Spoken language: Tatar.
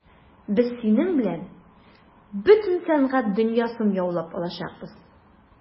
Без синең белән бөтен сәнгать дөньясын яулап алачакбыз.